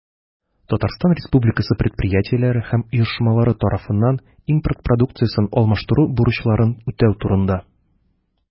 Татарстан Республикасы предприятиеләре һәм оешмалары тарафыннан импорт продукциясен алмаштыру бурычларын үтәү турында.